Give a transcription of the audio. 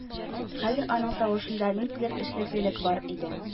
Хәзер аның тавышында ниндидер эшлеклелек бар иде